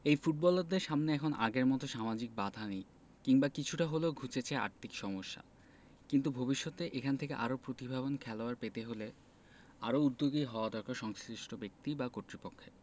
এই ফুটবলারদের সামনে এখন আগের মতো সামাজিক বাধা নেইকিংবা কিছুটা হলেও ঘুচেছে আর্থিক সমস্যা কিন্তু ভবিষ্যতে এখান থেকে আরও প্রতিভাবান খেলোয়াড় পেতে হলে আরও উদ্যোগী হওয়া দরকার সংশ্লিষ্ট ব্যক্তি বা কর্তৃপক্ষের